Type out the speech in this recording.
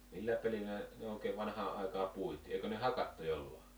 millä pelillä ne ne oikein vanhaan aikaan puitiin eikö ne hakattu jollakin